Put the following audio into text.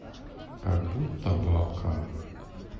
как будто бабка